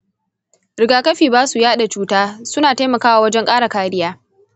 rigakafi ba su yaɗa cuta ; suna taimakawa wajen ƙara kariya.